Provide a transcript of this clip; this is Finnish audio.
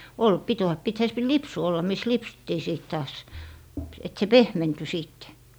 oli piti - pitihän se - lipsu olla missä lipsuttiin sitten taas että se pehmentyi sitten